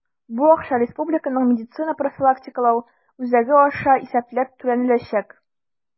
Бу акча Республиканың медицина профилактикалау үзәге аша исәпләп түләнеләчәк.